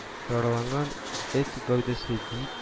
Яраланган эт гәүдәсе биек